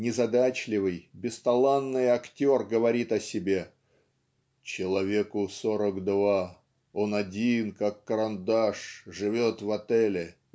незадачливый, бесталанный актер говорит о себе "Человеку сорок два он один как карандаш живет в отеле